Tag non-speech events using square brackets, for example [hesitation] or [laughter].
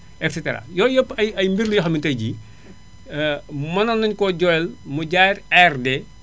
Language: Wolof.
et cetera loolu yëpp ay mbir la yoo xam ne tay jii [hesitation] mënoon nañu ko joyal mu jaar ARD